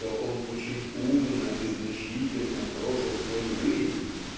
что он очень умно и значительно прожил свою жизнь